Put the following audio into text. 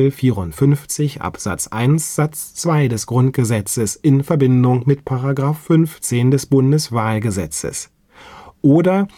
54 Absatz 1 Satz 2 des Grundgesetzes in Verbindung mit § 15 Bundeswahlgesetz) oder